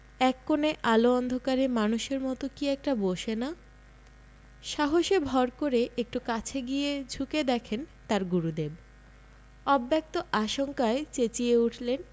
এক কোণে আলো অন্ধকারে মানুষের মত কি একটা বসে না সাহসে ভর করে একটু কাছে গিয়ে ঝুঁকে দেখেন তাঁর গুরুদেব অব্যক্ত আশঙ্কায় চেঁচিয়ে উঠলেন